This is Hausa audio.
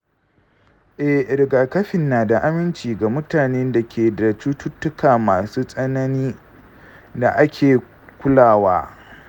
eh, rigakafin na da aminci ga mutanen da ke da cututtuka masu tsanani da ake kulawa.